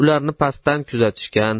ularni pastdan kuzatishgan